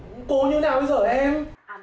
cố như nào bây giờ hả em